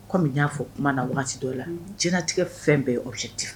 Kɔmi n'a fɔ kuma na waati dɔw la jinɛinatigɛ fɛn bɛɛ ye o cɛ ten